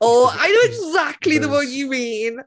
Oh, I know exactly the one you mean!